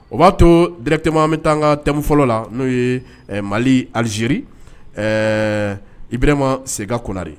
O b'a to dtema bɛ tan ka tɛmɛ fɔlɔ la n'o ye mali alizeri ibma seg kunnanare